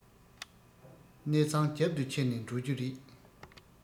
གནས ཚང རྒྱབ ཏུ ཁྱེར ནས འགྲོ རྒྱུ རེད